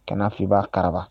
Kɛnɛfinbaa kararaba